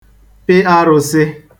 pị arūsị̄